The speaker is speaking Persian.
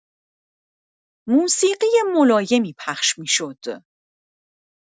موسیقی ملایمی پخش می‌شد.